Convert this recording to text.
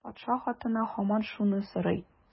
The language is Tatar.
Патша хатыны һаман шуны сорый.